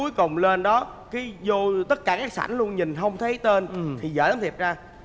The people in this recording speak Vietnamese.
cuối cùng lên đó cái dô tất cả các sảnh luôn nhìn không thấy tên thì dở tấm thiệp ra